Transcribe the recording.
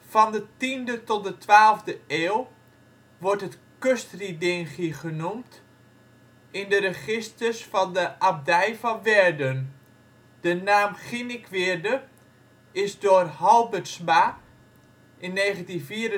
Van de 10e tot de 12e eeuw wordt het Kustridingi genoemd in de registers van de abdij van Werden. De naam ' Chinicwirde ' is door Halbertsma (1964) via